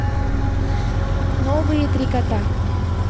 новые три кота